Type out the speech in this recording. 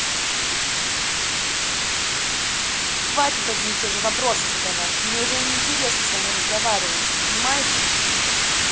хватит одни и те же вопросы задавать мне уже неинтересно с вами разговаривать понимаете